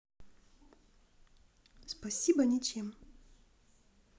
спасибо ничем